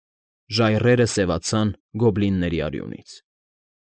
Ժայռերը սևացան գոբլինների արյունից։